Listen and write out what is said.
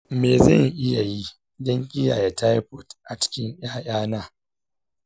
me zan iya yi don kiyaye taifoid a cikin ƴaƴana ?